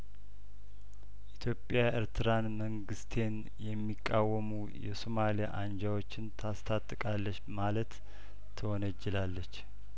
ኢትዮጵያ ኤርትራን መንግስቴን የሚቃወሙ የሶማሊያ አንጃዎችን ታስታጥቃለች ማለትት ወነጅላታለች